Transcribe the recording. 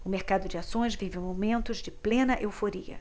o mercado de ações vive momentos de plena euforia